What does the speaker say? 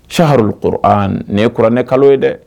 Sarilo ko aa nin ye kuranɛ kalo ye dɛ.